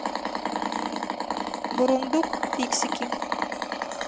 бурундук фиксики